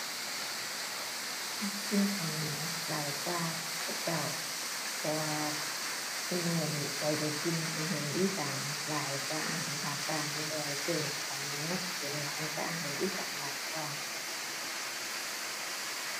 มักกินข้าวเหนียวหลายกว่าข้าวเจ้า เพราะว่าซุมื้อนี้ข้อยก็กินอาหารอีสานหลายกว่าอาหารภาคกลางอยู่แล้ว ซึ่งข้าวเหนียวมันก็สิเหมาะกันกับอาหารอีสานหลายกว่า